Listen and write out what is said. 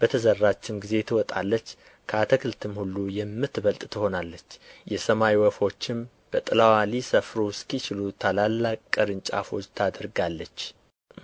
በተዘራችም ጊዜ ትወጣለች ከአትክልትም ሁሉ የምትበልጥ ትሆናለች የሰማይ ወፎችም በጥላዋ ሊሰፍሩ እስኪችሉ ታላላቅ ቅርንጫፎች ታደርጋለች